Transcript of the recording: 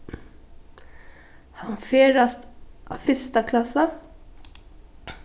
hann ferðast á fyrsta klassa